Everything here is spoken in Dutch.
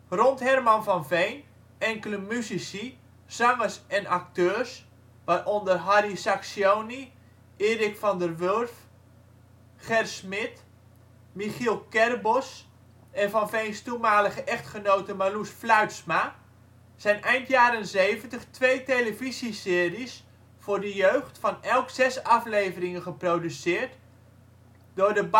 Rond Herman van Veen, enkele musici, zangers en acteurs (waaronder Harry Sacksioni, Erik van der Wurff, Ger Smit, Michiel Kerbosch en Van Veens toenmalige echtgenote Marlous Fluitsma) zijn eind jaren 70 twee televisieseries voor de jeugd van elk zes afleveringen geproduceerd door de